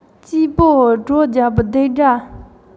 སྐྱིད པོའི བྲོ རྒྱག པའི རྡིག སྒྲ